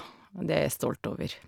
Og det er jeg stolt over.